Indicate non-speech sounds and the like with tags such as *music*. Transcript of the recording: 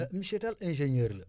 *hesitation* monsieur Tall ingénieur la